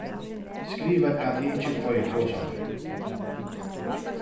skriva at eg ikki fái tosað nú